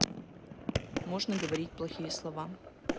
можно говорить плохие слова